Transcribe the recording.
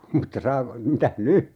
mutta saako mitäs nyt